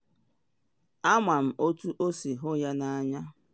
Ama m otu o si hụ ya n’anya.”